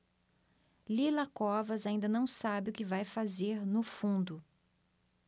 lila covas ainda não sabe o que vai fazer no fundo